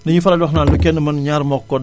dañuy faral di wax naan lu kenn mën ñaar moo ko ko